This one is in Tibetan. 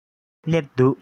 སླེབས འདུག